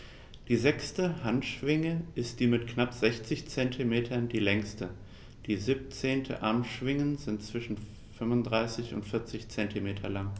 Die sechste Handschwinge ist mit knapp 60 cm die längste. Die 17 Armschwingen sind zwischen 35 und 40 cm lang.